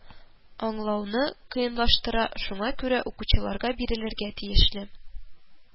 Аңлауны кыенлаштыра, шуңа күрə укучыларга бирелергə тиешле